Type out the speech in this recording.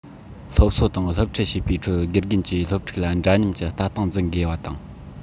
སློབ གསོ དང སློབ ཁྲིད བྱེད པའི ཁྲོད དགེ རྒན གྱིས སློབ ཕྲུག ལ འདྲ མཉམ གྱི ལྟ སྟངས འཛིན དགོས པ དང